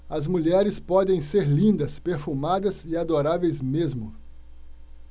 as mulheres podem ser lindas perfumadas e adoráveis mesmo